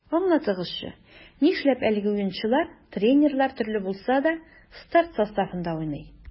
Аңлатыгызчы, нишләп әлеге уенчылар, тренерлар төрле булса да, старт составында уйный?